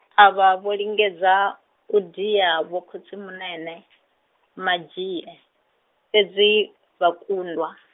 avha vho lingedza, u dia vho khotsimunene, Madzhie, fhedzi, vha kundwa.